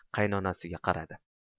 qayinonasiga qaradi